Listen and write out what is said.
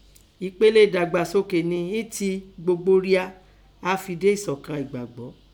Epele ẹ̀dagbasoke nẹ “ítíi gbogbo ria á fin de ẹsọ̀kan ẹ̀gbagbọ́